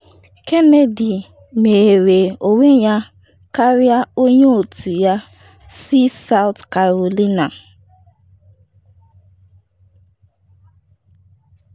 Kennedy meghere onwe ya karịa onye otu ya si South Carolina.